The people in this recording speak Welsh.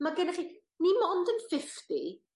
Ma' gennych chi... Ni mond yn fifty.